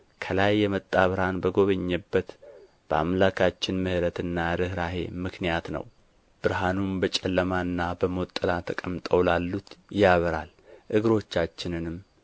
ከላይ የመጣ ብርሃን በጐበኘበት በአምላካችን ምሕረትና ርኅራኄ ምክንያት ነው ብርሃኑም በጨለማና በሞት ጥላ ተቀምጠው ላሉት ያበራል እግሮቻችንንም